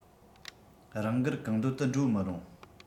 རང དགར གང འདོད དུ འགྲོ མི རུང